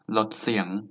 ลดเสียง